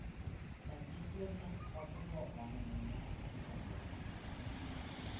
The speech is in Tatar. Һәм Гитлерның хаты да аны моңа ышандыра